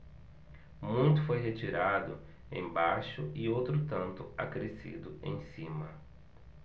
muito foi retirado embaixo e outro tanto acrescido em cima